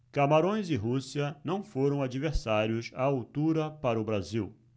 camarões e rússia não foram adversários à altura para o brasil